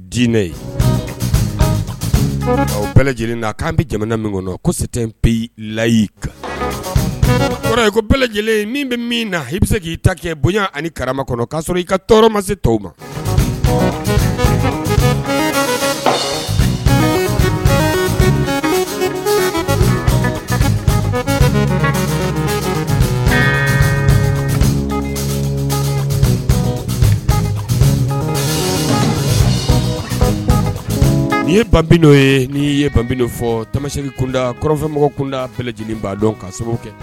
Diinɛ bɛɛ lajɛlen na k'an bɛ jamana min kosi tɛ peyii layi kan ko bɛɛ lajɛlen min bɛ min na i bɛ se k'i ta kɛ bonya ani ni kara kɔnɔ ka sɔrɔ i ka tɔɔrɔ ma se tɔw ma nin ye ban ye n' ye ban fɔ tamasiri kundamɔgɔ kunda lajɛlen ba dɔn ka sababu kɛ